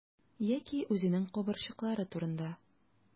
Яки үзенең кабырчрыклары турында.